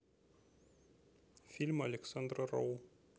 фильмы александра роу